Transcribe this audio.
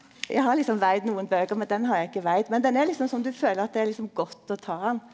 eg har liksom veid noka bøker men den har eg ikkje veid men den er liksom som du føler at det er liksom godt å ta han.